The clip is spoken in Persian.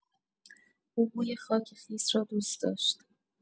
او بوی خاک خیس را دوست داشت.